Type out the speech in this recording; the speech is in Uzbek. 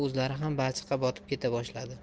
o'zlari ham balchiqqa botib keta boshladi